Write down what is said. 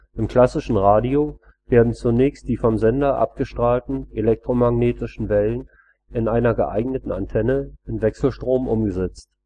Im klassischen Radio werden zunächst die vom Sender abgestrahlten elektromagnetischen Wellen in einer geeigneten Antenne in Wechselstrom umgesetzt